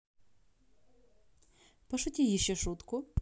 пошути еще шутку